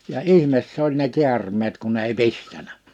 ja ihme se oli ne käärmeet kun ei pistänyt